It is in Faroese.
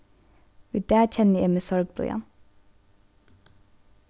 í dag kenni eg meg sorgblíðan